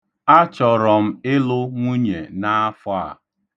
Achọrọ m ịlụ nwunye n'afọ a.